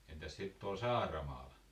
entäs sitten tuolla Saaramaalla